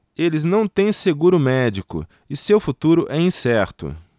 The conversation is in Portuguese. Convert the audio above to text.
eles não têm seguro médico e seu futuro é incerto